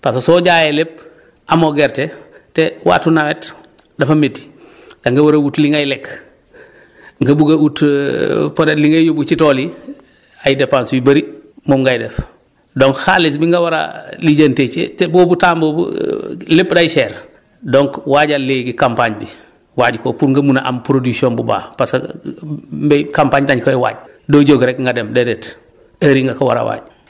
parce que soo jaayee lépp amoo gerte te waxtu nawet dafa métti da nga war a wut li ngay lekk nga bugg a ut peut être li ngay yóbbu ci tool yi ay dépenses yu bëri moom ngay def donc xaalis bi nga war a lijjatee ca boobu temps boobu lépp day cher donc waajal léegi campagne bi waaj ko pour nga mun a am production bu baax parce que mbéy campagne dañ koy waaj doo jóg rek nga dem déedéet heures yii nga ko war a waaj